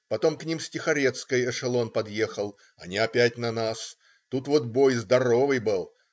Потом к ним с Тихорецкой эшелон подъехал они опять на нас. Тут вот бой здоровый был.